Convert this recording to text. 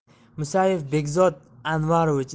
musayev behzod anvarovich